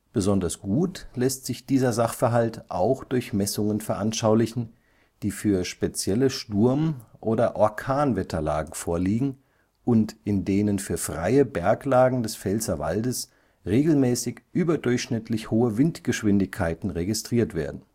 Besonders gut lässt sich dieser Sachverhalt auch durch Messungen veranschaulichen, die für spezielle Sturm - oder Orkanwetterlagen vorliegen und in denen für freie Berglagen des Pfälzerwaldes regelmäßig überdurchschnittlich hohe Windgeschwindigkeiten registriert werden